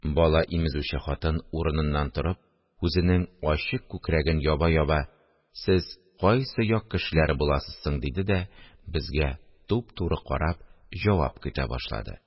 Бала имезүче хатын, урыныннан торып, үзенең ачык күкрәген яба-яба: – Сез кайсы як кешеләре буласыз соң? – диде дә, безгә туп-туры карап, җавап көтә башлады